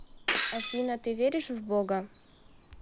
афина ты веришь в бога